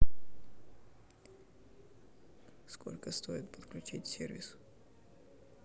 сколько стоит подключить сервис